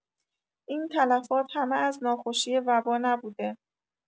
این تلفات همه از ناخوشی وبا نبوده!